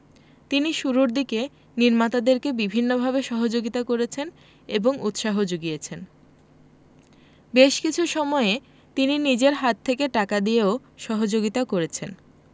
তিনি শুরুর দিকে নির্মাতাদেরকে বিভিন্নভাবে সহযোগিতা করেছেন এবং উৎসাহ যুগিয়েছেন বেশ কিছু সময়ে তিনি নিজের হাত থেকে টাকা দিয়েও সহযোগিতা করেছেন